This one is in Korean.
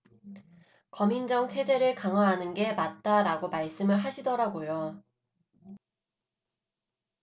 검인정 체제를 강화하는 게 맞다라고 말씀을 하시더라고요